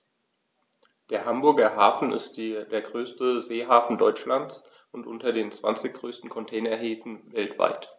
Der Hamburger Hafen ist der größte Seehafen Deutschlands und unter den zwanzig größten Containerhäfen weltweit.